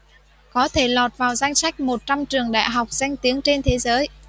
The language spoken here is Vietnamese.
có thể lọt vào danh sách một trăm trường đại học danh tiếng trên thế giới